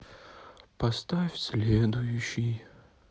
поставь следующий